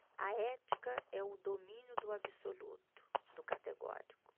a ética é o domínio do absoluto do categórico